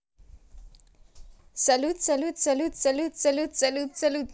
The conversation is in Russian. салют салют салют салют салют салют салют